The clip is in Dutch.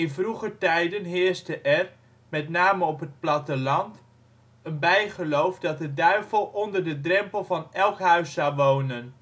vroeger tijd heerste er, met name op het platteland, een (bij) geloof dat de duivel onder de drempel van elk huis zou wonen